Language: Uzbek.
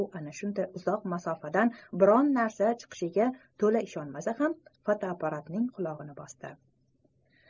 u ana shunday uzoq masofadan biron narsa chiqishiga to'la ishonmasa ham fotoapparatning tugmasini bosdi